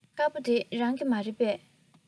དཀར པོ འདི རང གི མ རེད པས